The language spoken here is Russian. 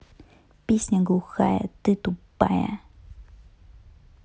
песня глухая ты тупая